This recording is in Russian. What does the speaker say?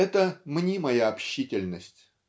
Это -- мнимая общительность